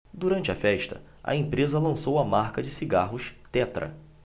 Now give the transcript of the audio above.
durante a festa a empresa lançou a marca de cigarros tetra